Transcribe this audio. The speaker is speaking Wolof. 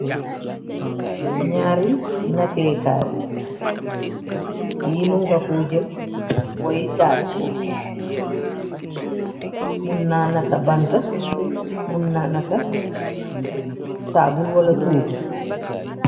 Naari nateekaay, yi mu nga ko jël boi dajj. Mun nanata banta ,mun nanata taabul ,wala tuugu.